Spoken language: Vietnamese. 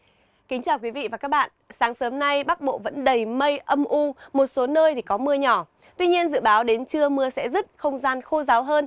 kính chào quý vị và các bạn sáng sớm nay bắc bộ vẫn đầy mây âm u một số nơi thì có mưa nhỏ tuy nhiên dự báo đến trưa mưa sẽ dứt không gian khô ráo hơn